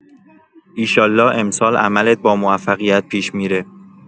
ایشالا امسال عملت با موفقیت پیش می‌ره.